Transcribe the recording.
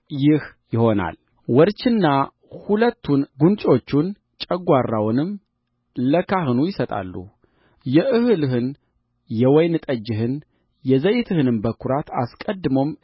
ይህ ይሆናል ወርቹንና ሁለቱን ጉንጮቹን ጨጓራውንም ለካህኑ ይሰጣሉ የእህልህን የወይን ጠጅህን የዘይትህንም በኵራት አስቀድሞም